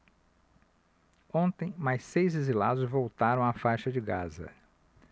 ontem mais seis exilados voltaram à faixa de gaza